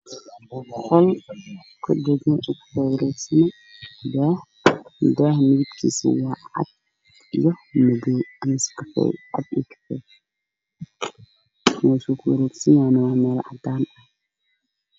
Waa qol waxaa ku xiran daahman caddaan madow ilaahay wadaaman dhaadheer oo laba xabo ah